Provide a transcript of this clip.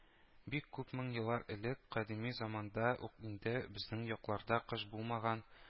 Бик күп мең еллар элек, кадими заманда ук инде, безнең якларда кыш булмаган